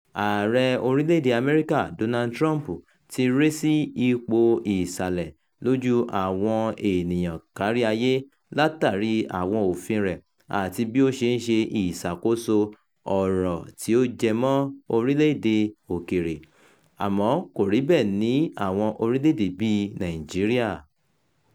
Ààrẹ orílẹ̀-èdèe Amẹ́ríkà Donald Trump ti ré sí ipò ìsàlẹ̀ lójú àwọn ènìyàn kárí ayé látàrí àwọn òfin rẹ̀ àti bí ó ṣe ń ṣe ìṣàkóso ọ̀ràn tí ó jẹ mọ́ orílẹ̀-èdèe òkèèrè — àmọ́ kò rí bẹ́ẹ̀ ní àwọn orílẹ̀-èdè bíi Nàìjíríà.